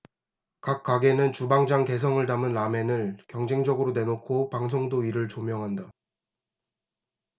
각 가게는 주방장 개성을 담은 라멘을 경쟁적으로 내놓고 방송도 이를 조명한다